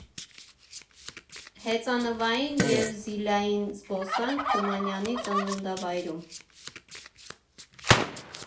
Հեծանվային և զիլային զբոսանք Թումանյանի ծննդավայրում։